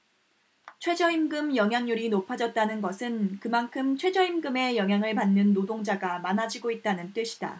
최저임금 영향률이 높아졌다는 것은 그만큼 최저임금의 영향을 받는 노동자가 많아지고 있다는 뜻이다